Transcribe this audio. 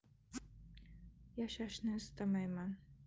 yashashni istamayman